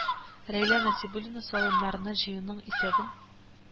Рәйлә Насыйбуллина салымнарны җыюның исәбен